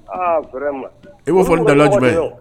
Aa vraiment i bo fɔ ni daluya jumɛn ye?